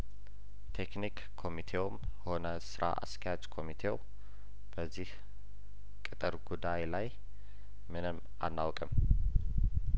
ቴክኒክ ኮሚቴውም ሆነ ስራ አስኪያጅ ኮሚቴው በዚህ ቅጥር ጉዳይ ላይ ምንም አናውቅም